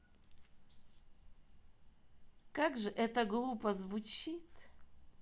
как же это глупо звучит